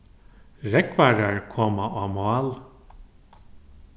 rógvarar koma á mál